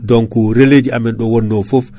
donc relai ji amen ɗo wonno foof